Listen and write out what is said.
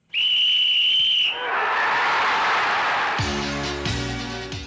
music